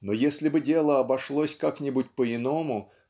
но если бы дело обошлось как-нибудь по-иному